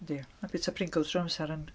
Yndi ma' byta Pringles trwy amsar yn...